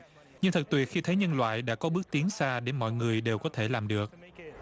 nhưng thật tuyệt khi thấy nhân loại đã có bước tiến xa đến mọi người đều có thể làm được